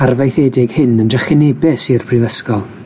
arfaethedig hyn yn drychinebus, i'r Prifysgol,